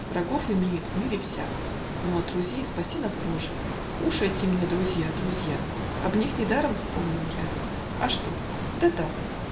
Врагов имеет в мире всяк, Но от друзей спаси нас, боже! Уж эти мне друзья, друзья! Об них недаром вспомнил я. А что? Да так.